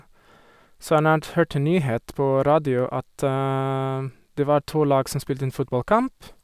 Så han hadde hørt en nyhet på radio at det var to lag som spilte en fotballkamp.